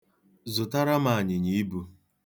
Zụtara m anyịnyaibu.